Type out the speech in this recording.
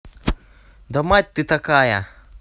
да мать ты такая